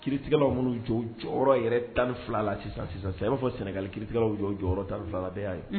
Kitigɛlaw minnu jɔ jɔyɔrɔ yɛrɛ tan ni fila la sisan sisan'a fɔ sɛnɛgali kiiritigɛlaw jɔ jɔyɔrɔ tan ni filala bɛɛ' ye